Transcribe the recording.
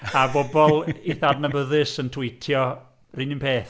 A bobl eitha adnabyddus yn twîtio yr un peth.